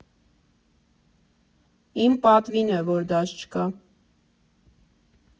Իմ պատվին է, որ դաս չկա։